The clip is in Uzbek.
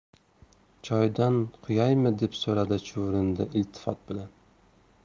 choydan quyaymi deb so'radi chuvrindi iltifot bilan